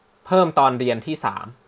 เพิ่มตอนเรียนที่สาม